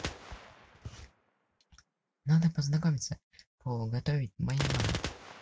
надо познакомиться по готовить моя мама